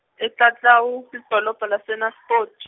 e- Clau Clau, lidolobha laseNaspoti.